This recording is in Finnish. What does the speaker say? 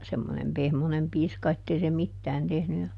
semmoinen pehmoinen piiska että ei se mitään tehnyt ja